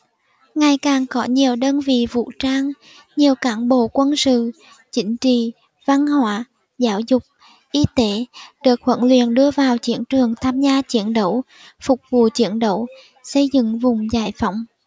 ngày càng có nhiều đơn vị vũ trang nhiều cán bộ quân sự chính trị văn hóa giáo dục y tế được huấn luyện đưa vào chiến trường tham gia chiến đấu phục vụ chiến đấu xây dựng vùng giải phóng